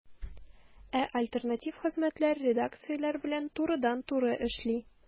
Ә альтернатив хезмәтләр редакцияләр белән турыдан-туры эшли.